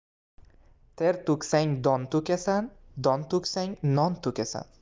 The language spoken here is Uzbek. ter to'ksang don to'kasan don to'ksang non to'kasan